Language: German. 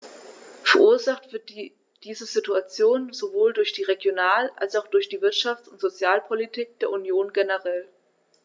Verursacht wird diese Situation sowohl durch die Regional- als auch durch die Wirtschafts- und Sozialpolitik der Union generell.